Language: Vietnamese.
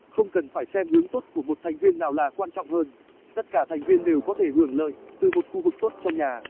không cần phải xem hướng tốt của một thành viên nào là quan trọng hơn tất cả thành viên đều có thể hưởng lợi từ một khu vực tốt trong nhà